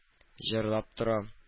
Җырлап тора